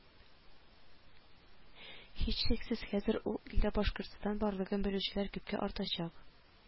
Һичшиксез, хәзер ул илдә Башкортстан барлыгын белүчеләр күпкә артачак